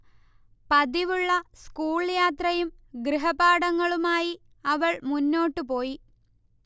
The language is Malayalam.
പതിവുള്ള സ്കൂൾ യാത്രയും ഗൃഹപാഠങ്ങളുമായി അവൾ മുന്നോട്ടുപോയി